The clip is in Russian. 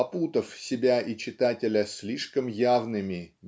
опутав себя и читателя слишком явными